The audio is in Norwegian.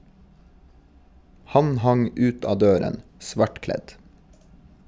Han hang ut av døren, svartkledt.